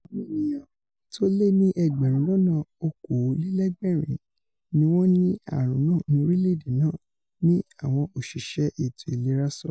Àwọn ènìyàn tólé ní ẹgbẹ̀rún lọ́nà okòólélẹ̀gbẹrin ní wọn ni ààrun náà ní orilẹ-èdè náà, ni àwọn òṣìṣẹ́ ètò ìlera sọ.